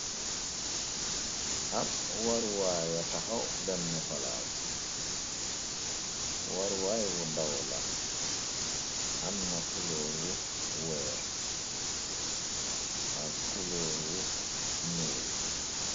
ab warwaaya taxaw benn palaas warwaay wu daw la amna kulóor wu weex ak kulóor wu njuul